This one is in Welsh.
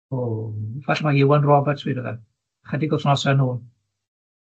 o falle mae Iwan Roberts wedodd e, chydig wythnose nôl,